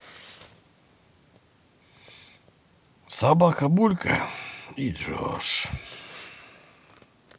собака булька и джордж